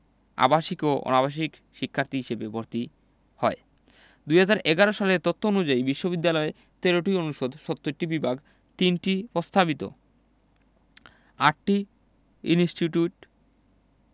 আবাসিক ও অনাবাসিক শিক্ষার্থী হিসেবে ভর্তি হয় ২০১১ সালের তথ্য অনুযায়ী বিশ্ববিদ্যালয়ে ১৩টি অনুষদ ৭০টি বিভাগ ৩টি প্রস্তাবিত ৮টি ইনস্টিটিউট